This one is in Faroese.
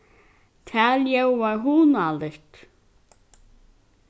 tað ljóðar hugnaligt